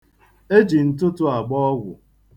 E ji ntụtụ agba ọgwụ.